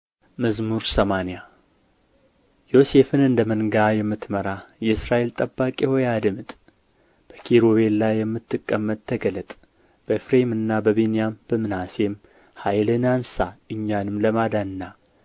መዝሙር ሰማንያ ዮሴፍን እንደ መንጋ የምትመራ የእስራኤል ጠባቂ ሆይ አድምጥ በኪሩቤል ላይ የምትቀመጥ ተገለጥ በኤፍሬምና በብንያም በምናሴም ኃይልህን አንሣ እኛንም ለማዳን ና